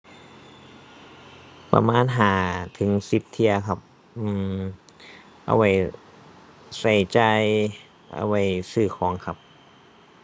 ประมาณห้าถึงสิบเที่ยครับ อื้อ เอาไว้ใช้จ่าย เอาไว้ซื้อของครับ